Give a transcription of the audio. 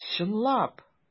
Чынлап!